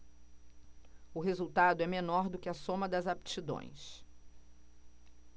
o resultado é menor do que a soma das aptidões